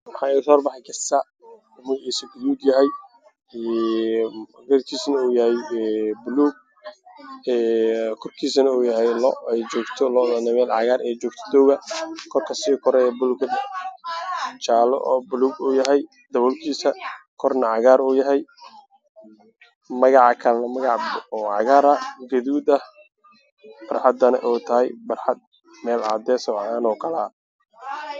Waxa iga so horbaxay gasac nociisa baluug yahay birtiisana yahay baluug korkiisana yahay lo ay joogto lo'dana meel cagaar ay joogto oo doog ah korka ka sii koreya doga ah jaalo oo bulug yahay dabolkiisa kor cagar yahay magaca cagaar ah gaduud ah barxadana tahay barxad meel cadeys ah oo kale ah